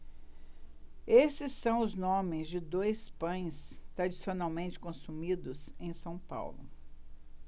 esses são os nomes de dois pães tradicionalmente consumidos em são paulo